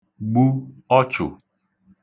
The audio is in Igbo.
gbu ọchụ̀